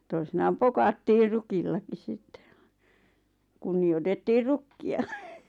toisinaan pokattiin rukillakin sitten vain kunnioitettiin rukkia